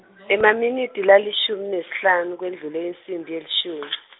emaminitsi lalishumi nesihlanu kwendlule insimbi yelishumi.